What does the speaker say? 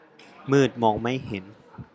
มืดมองไม่เห็น